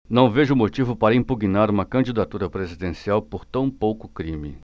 não vejo motivo para impugnar uma candidatura presidencial por tão pouco crime